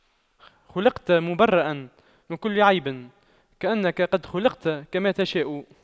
خلقت مُبَرَّأً من كل عيب كأنك قد خُلقْتَ كما تشاء